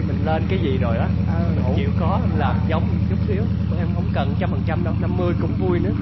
khi mình lên cái gì rồi đó thì mình chịu khó làm giống chút xíu em không cần trăm phần trăm năm năm mươi cũng vui nữa